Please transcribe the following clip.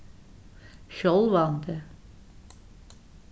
sjálvandi